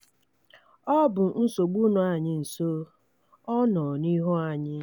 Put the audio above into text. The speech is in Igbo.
Ọ bụ nsogbu nọ anyị nso, ọ nọ n'ihu anyị.